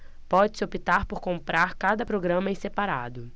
pode-se optar por comprar cada programa em separado